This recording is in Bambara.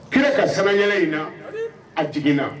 Kɛlɛ ka sany in na a jiginna